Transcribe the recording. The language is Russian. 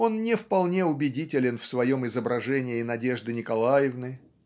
он не вполне убедителен в своем изображении Надежды Николаевны